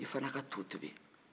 i fana ka to tobi